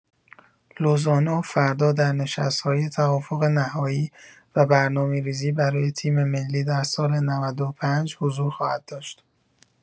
لوزانو فردا در نشست‌های توافق نهایی و برنامه‌ریزی برای تیم‌ملی در سال ۹۵ حضور خواهد داشت.